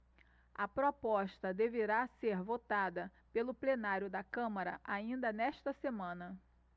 a proposta deverá ser votada pelo plenário da câmara ainda nesta semana